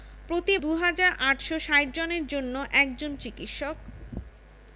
প্রতি ২হাজার ৮৬০ জনের জন্য একজন চিকিৎসক